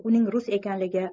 uning rus ekanligi